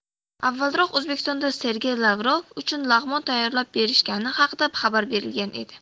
avvalroq o'zbekistonda sergey lavrov uchun lag'mon tayyorlab berishgani haqida xabar berilgan edi